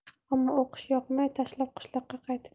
ammo o'qish yoqmay tashlab qishloqqa qaytibdi